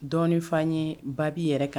Dɔɔnin'a ye ba'i yɛrɛ kan